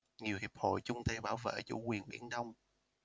nhiều hiệp hội chung tay bảo vệ chủ quyền biển đông